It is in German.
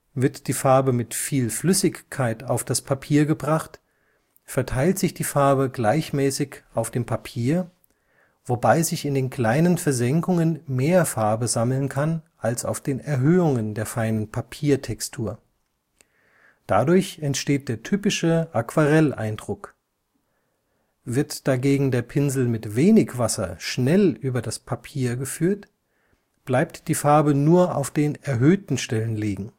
Wird die Farbe mit viel Flüssigkeit auf das Papier gebracht, verteilt sich die Farbe gleichmäßig auf dem Papier, wobei sich in den kleinen Versenkungen mehr Farbe sammeln kann als auf den Erhöhungen der feinen Papiertextur. Dadurch entsteht der typische Aquarelleindruck. Wird dagegen der Pinsel mit wenig Wasser schnell über das Papier geführt, bleibt die Farbe nur auf den erhöhten Stellen liegen